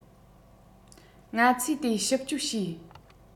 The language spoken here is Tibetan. ང ཚོས དེ ཞིབ གཅོད བྱས